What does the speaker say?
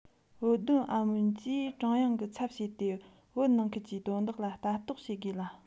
བོད སྡོད ཨམ བན གྱིས ཀྲུང དབྱང གི ཚབ བྱས ཏེ བོད ནང ཁུལ གྱི དོན དག ལ ལྟ རྟོག བྱེད དགོས ལ